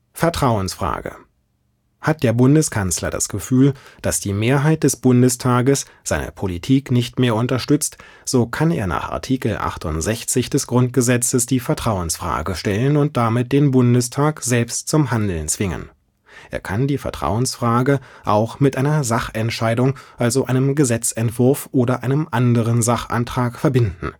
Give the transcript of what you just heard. Vertrauensfrage Hat der Bundeskanzler das Gefühl, dass die Mehrheit des Bundestages seine Politik nicht mehr unterstützt, so kann er nach Artikel 68 des Grundgesetzes die Vertrauensfrage stellen und damit den Bundestag selbst zum Handeln zwingen. Er kann die Vertrauensfrage auch mit einer Sachentscheidung, also einem Gesetzentwurf oder einem anderen Sachantrag, verbinden